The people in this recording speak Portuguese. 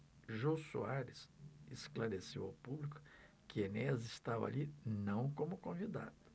jô soares esclareceu ao público que enéas estava ali não como convidado